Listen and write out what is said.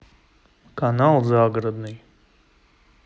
канал загородный